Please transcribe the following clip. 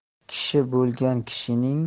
kishi bo'lgan kishining